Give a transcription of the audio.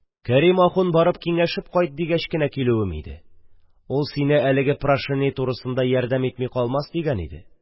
Кәрим ахун, барып киңәшеп кайт, дигәч кенә килүем иде, ул сине әлеге прошение турысында ярдәм итми калмас дигән иде